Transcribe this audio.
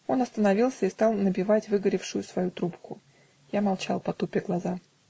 Он остановился и стал набивать выгоревшую свою трубку; я молчал, потупя глаза.